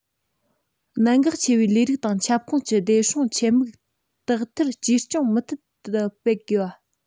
གནད འགག ཆེ བའི ལས རིགས དང ཁྱབ ཁོངས ཀྱི བདེ སྲུང ཆེད དམིགས དག ཐེར བཅོས སྐྱོང མུ མཐུད དེ སྤེལ དགོས